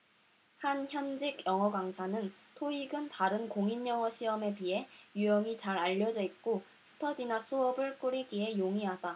한 현직 영어강사는 토익은 다른 공인영어시험에 비해 유형이 잘 알려져 있고 스터디나 수업을 꾸리기에 용이하다